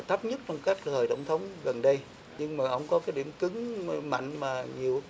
thấp nhất trong các thời tổng thống gần đây nhưng mà hổng có điểm cứng mạnh mà nhiều